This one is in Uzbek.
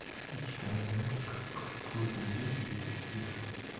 ichkaridan qisiq ko'zligi yetib keldi